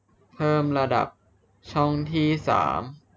เพิ่มระดับช่องที่สาม